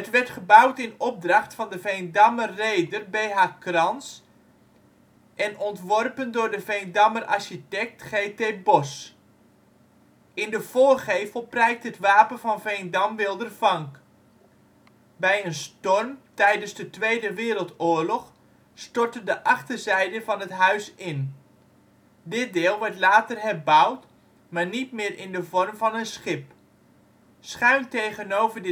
werd gebouwd in opdracht van de Veendammer reder B.H. Krans en ontworpen door de Veendammer architect G.T. Bos. In de voorgevel prijkt het wapen van Veendam-Wildervank. Bij een storm tijdens de Tweede Wereldoorlog stortte de achterzijde van het huis in. Dit deel werd later herbouwd, maar niet meer in de vorm van een schip. Schuin tegenover